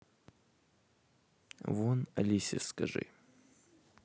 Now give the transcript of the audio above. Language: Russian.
вон алисе скажи